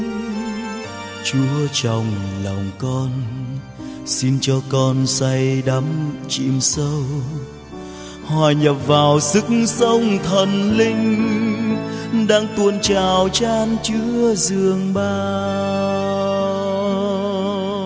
chúa trong lòng con xin cho con say đắm chìm sâu hòa nhập vào sức sống thần linh đang tuôn trào chan chứa dường bao